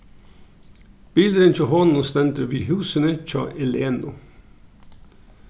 bilurin hjá honum stendur við húsini hjá elenu